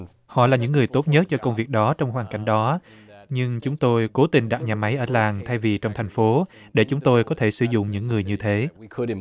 họ là những người tốt nhất cho công việc đó trong hoàn cảnh đó nhưng chúng tôi cố tình đặt nhà máy ở làng thay vì trong thành phố để chúng tôi có thể sử dụng những người như thế